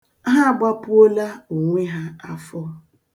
Ha agbapuola onwe ha afọ.